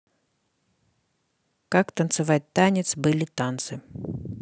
как танцевать танец были танцы